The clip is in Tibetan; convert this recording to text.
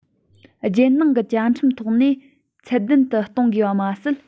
རྒྱལ ནང གི བཅའ ཁྲིམས ཐོག ནས ཚད ལྡན དུ གཏོང དགོས པ མ ཟད